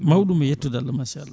mawɗum yettude Allah machallah